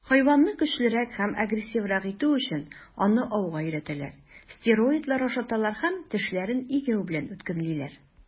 Хайванны көчлерәк һәм агрессиврак итү өчен, аны ауга өйрәтәләр, стероидлар ашаталар һәм тешләрен игәү белән үткенлиләр.